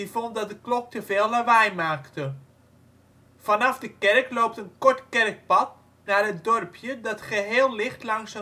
vond dat de klok teveel ' lawaai ' maakte. Vanaf de kerk loopt een kort kerkpad naar het dorpje dat geheel ligt langs